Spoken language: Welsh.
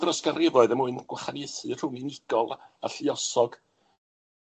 dros ganrifoedd er mwyn gwahaniaethu rhwng unigol a a lluosog,